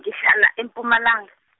ngihlala e- Mpumalang- .